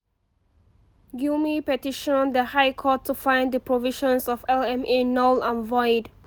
Gyumi petitioned the High Court to find the provisions of LMA null and void.